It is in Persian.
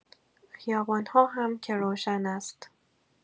خیابان‌ها هم که روشن است.